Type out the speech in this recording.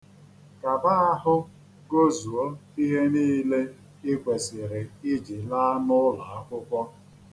Kaba ahụ gozuo ihe niile i kwesiri iji laa n'ụlọakwụkwọ.